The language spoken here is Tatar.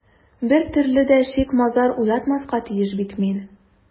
Бер төрле дә шик-мазар уятмаска тиеш бит мин...